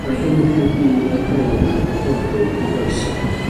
Mae hyn yn helpu i leihau ar feichogrwydd digroeso,